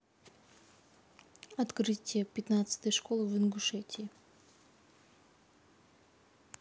открытие пятнадцатой школы в ингушетии